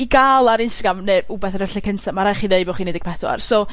i ga'l ar Instagram ne' wbaeth yn y lle cynta ma'n rai' chi ddeud bo' chi'n un deg pedwar, so